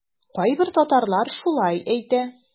Кайбер татарлар шулай әйтә.